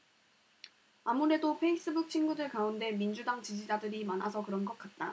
아무래도 페이스북 친구들 가운데 민주당 지지자들이 많아서 그런 것 같다